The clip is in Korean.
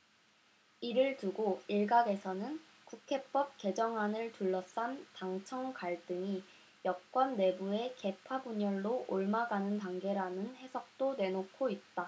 이를 두고 일각에서는 국회법 개정안을 둘러싼 당청 갈등이 여권 내부의 계파 분열로 옮아가는 단계라는 해석도 내놓고 있다